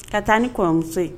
Ka taa ni kɔmuso ye